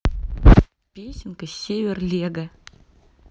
песенка север лего